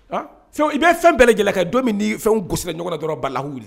I bɛ fɛn bɛɛ lajɛlen kɛ don min ni fɛn gosisila ɲɔgɔn dɔrɔn ba lahawuli